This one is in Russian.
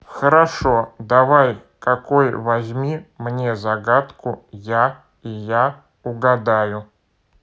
хорошо давай какой возьми мне загадку я и я угадаю